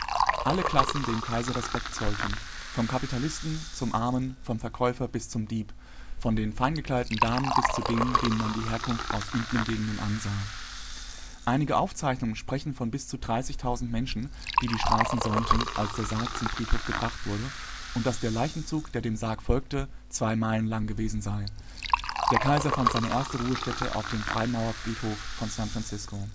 Kaiser Respekt zollten, vom Kapitalisten zum Armen, vom Verkäufer bis zum Dieb, von den feingekleideten Damen bis zu denen, denen man die Herkunft aus üblen Gegenden ansah “(3). Einige Aufzeichnungen sprechen von bis zu 30.000 Menschen, die die Straßen säumten, als der Sarg zum Friedhof gebracht wurde und dass der Leichenzug, der dem Sarg folgte, zwei Meilen lang gewesen sei. Der Kaiser fand seine erste Ruhestätte auf dem Freimaurerfriedhof von San Francisco